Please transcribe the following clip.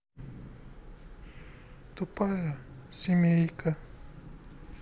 тупая семейка